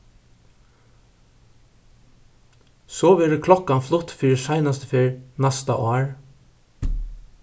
so verður klokkan flutt fyri seinastu ferð næsta ár